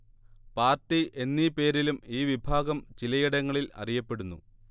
party എന്നീ പേരിലും ഈ വിഭാഗം ചിലയിടങ്ങളിൽ അറിയപ്പെടുന്നു